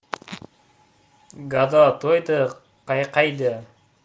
gado to'ydi qayqaydi